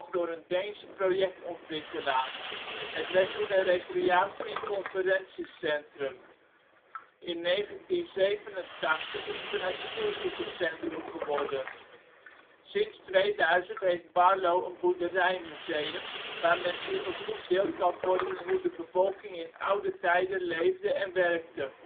door een Deense projectontwikkelaar. Het werd toen een recreatie - en conferentiecentrum. In 1987 is het een asielzoekerscentrum geworden. Sinds 2000 heeft Barlo een boerderijmuseum, waar men zich een goed beeld kan vormen hoe de bevolking in oude tijden leefde en werkte